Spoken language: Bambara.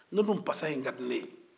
ne dun pasa in ka di ne ye